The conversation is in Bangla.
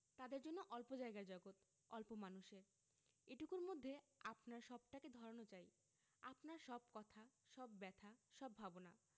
তাদের জন্য অল্প জায়গার জগত অল্প মানুষের এটুকুর মধ্যে আপনার সবটাকে ধরানো চাই আপনার সব কথা সব ব্যাথা সব ভাবনা